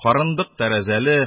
Карындык тәрәзәле,